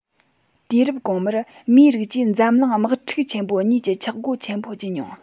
དུས རབས གོང མར མིའི རིགས ཀྱིས འཛམ གླིང དམག འཁྲུག ཆེན པོ གཉིས ཀྱི ཆག སྒོ ཆེན པོ བརྒྱུད མྱོང